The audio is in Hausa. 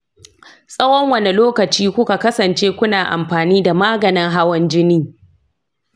tsawon wane lokaci kuka kasance kuna amfani da maganin hawan jini?